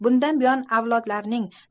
bundan buyon avlodlarning